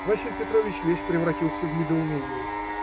Василий Петрович весь превратился в недоумение.